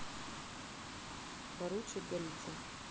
поручик голицын